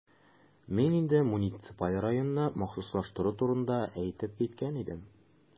Мин инде муниципаль районнарны махсуслаштыру турында әйтеп киткән идем.